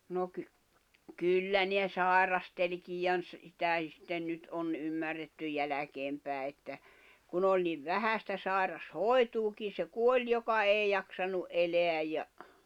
no - kyllä ne sairastelikin ja -- sitä sitten nyt on ymmärretty jälkeen päin että kun oli niin vähän sitä sairaanhoitoakin se kuoli joka ei jaksanut elää ja